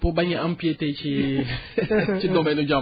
pour bañ a ampieter tay ci ci domaine nu jàmbur